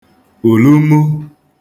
ùlumu